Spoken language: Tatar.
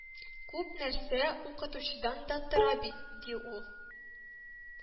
Күп нәрсә укытучыдан да тора бит, ди ул